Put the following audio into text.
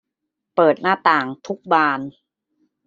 เปิดหน้าต่างทุกบาน